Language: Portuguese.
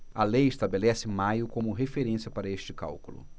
a lei estabelece maio como referência para este cálculo